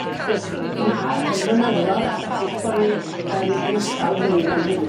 Wrth gwrs yy ma' yy mynyddodd ar ffaith bo' ni yym yn ychal fyny fan hyn.